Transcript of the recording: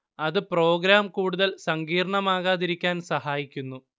അത് പ്രോഗ്രാം കൂടുതൽ സങ്കീർണ്ണമാകാതിരിക്കാൻ സഹായിക്കുന്നു